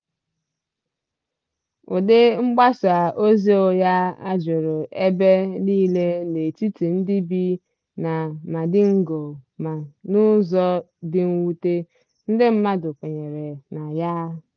Ụdị mgbasa ozi ụgha a juru ebe niile n'etiti ndị bị na Mandingo ma n'ụzọ dị mwute, ndị mmadụ kwenyere na ya.